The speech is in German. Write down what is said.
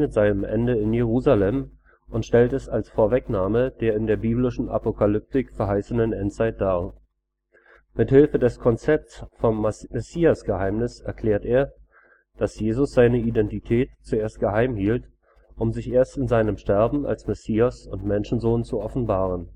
seinem Ende in Jerusalem und stellt es als Vorwegnahme der in der biblischen Apokalyptik verheißenen Endzeit dar. Mit Hilfe des Konzepts vom Messiasgeheimnis erklärt er, dass Jesus seine Identität zuerst geheim hielt, um sich erst in seinem Sterben als Messias und Menschensohn zu offenbaren